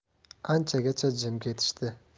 anchagacha jim ketishdi